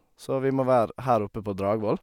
Så vi må være her oppe på Dragvoll.